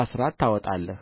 አሥራት ታወጣለህ